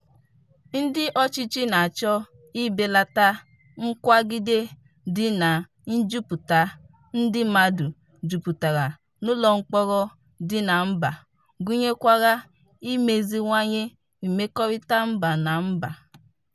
Ndị ọchịchị na-achọ ibelata nkwagide dị na njuputa ndị mmadụ juputara n'ụlọ mkpọrọ dị na mba gunyekwara imeziwanye mmekọrịta mba na mba.